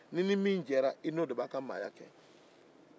n'i ni min jɛra i n'o de b'a ka maaya kɛ